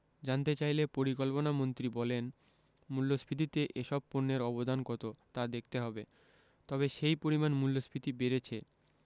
পরিকল্পনামন্ত্রী বলেন মূল্যস্ফীতিতে এসব পণ্যের অবদান কত তা দেখতে হবে তবে সেই পরিমাণ মূল্যস্ফীতি বেড়েছে